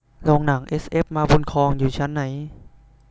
โรงหนังเอสเอฟมาบุญครองอยู่ชั้นไหน